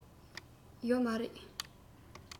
ཡོད མ རེད